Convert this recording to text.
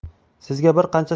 sizga bir qancha